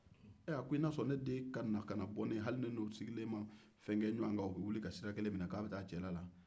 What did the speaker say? ɛɛ a ko i na sɔn ne den ka na ka na bɔ ne ye hali ne ni o sigilen ma fɛn kɛ ɲɔgɔn kan o bɛ wuli ka sira minɛ ko a bɛ taa a cɛla la